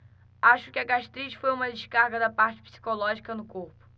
acho que a gastrite foi uma descarga da parte psicológica no corpo